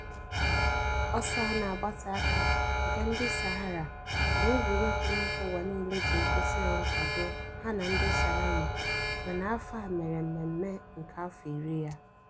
Ọsọ a na-agbate aka nke ndị Sahara bụ egwuregwu mba ụwa niile ji egosi ha Nkwado ha na ndị Saharawi mana afọ a mere mmemme nke afọ iri ya.